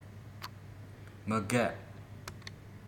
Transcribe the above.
མི དགའ